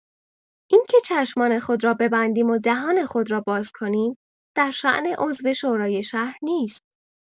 اینکه چشمان خود را ببندیم و دهان خود را باز کنیم درشان عضو شورای شهر نیست.